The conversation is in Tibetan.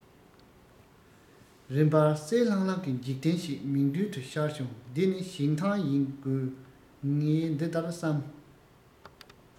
རིམ པར གསལ ལྷང ལྷང གི འཇིག རྟེན ཞིག མིག མདུན དུ ཤར བྱུང འདི ནི ཞིང ཐང ཡིན དགོས ངས འདི ལྟར བསམ